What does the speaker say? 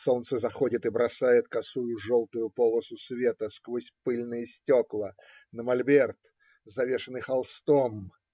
Солнце заходит и бросает косую желтую полосу света сквозь пыльные стекла на мольберт, завешенный холстом.